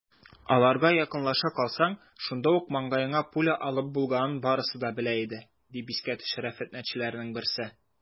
Аларга якынлаша калсаң, шунда ук маңгаеңа пуля алып булганын барысы да белә иде, - дип искә төшерә фетнәчеләрнең берсе.